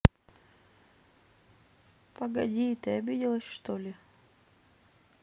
погоди ты обиделась что ли